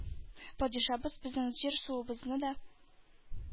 — падишабыз безнең җир-суыбызны да,